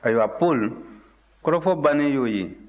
ayiwa paul kɔrɔfɔ bannen ye o ye